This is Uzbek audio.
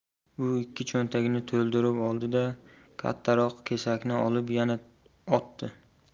u ikki cho'ntagini to'ldirib oldi da kattaroq kesakni olib yana otdi